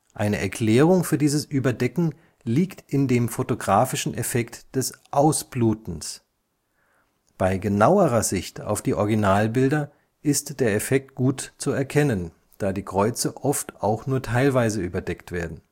Eine Erklärung für dieses Überdecken liegt in dem fotografischen Effekt des Ausblutens. Bei genauerer Sicht auf die Originalbilder ist der Effekt oft gut zu erkennen, da die Kreuze oft auch nur teilweise überdeckt werden